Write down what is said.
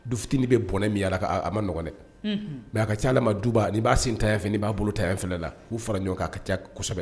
Du fitinin bɛ bɔnɛ min ala a ma nɔgɔɛ mɛ a ka caala ma duba ni b'a sen ta yan fɛ n i b'a bolo ta yan filɛ la k'u fara ɲɔgɔn kan' ka ca kosɛbɛ